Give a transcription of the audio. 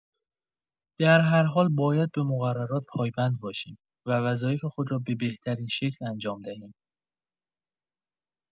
در هر حال، باید به مقررات پایبند باشیم و وظایف خود را به بهترین شکل انجام دهیم.